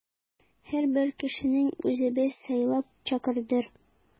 Һәрбер кешесен үзебез сайлап чакырдык.